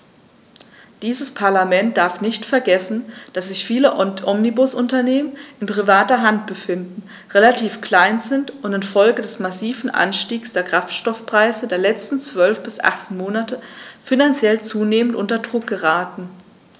Dieses Parlament darf nicht vergessen, dass sich viele Omnibusunternehmen in privater Hand befinden, relativ klein sind und in Folge des massiven Anstiegs der Kraftstoffpreise der letzten 12 bis 18 Monate finanziell zunehmend unter Druck geraten.